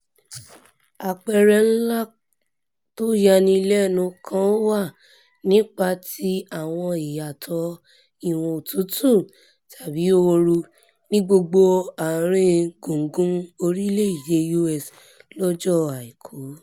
Àpẹẹrẹ ńlá tóyanilẹ́nu kan wà nípa ti àwọn ìyàtọ̀ ìwọ̀n otútù tàbí ooru ní gbogbo ààrin gùngùn orílẹ̀-èdè U.S. lọ́jọ́ Àìkú.